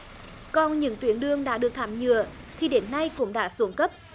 còn những tuyến đường đã được thảm nhựa thì đến nay cũng đã xuống cấp